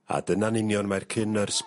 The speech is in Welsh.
A dyna'n union mae'r cyn nyrs...